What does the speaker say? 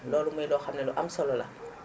loolu muy loo xam ni lu am solo la